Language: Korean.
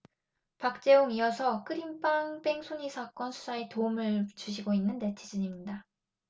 박재홍 이어서 크림빵 뺑소니 사건 수사에 도움을 주시고 계시는 네티즌입니다